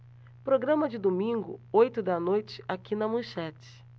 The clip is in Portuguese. programa de domingo oito da noite aqui na manchete